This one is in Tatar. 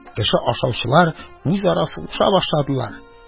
Кеше ашаучылар үзара сугыша башладылар.